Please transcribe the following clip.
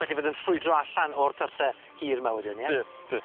Felly bydd yn ffrwydro allan o'r tylle hir 'my wedyn ia? Bydd bydd.